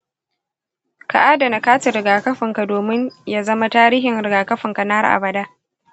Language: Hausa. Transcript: ka adana katin rigakafinka domin ya zama tarihin rigakafinka na har abada.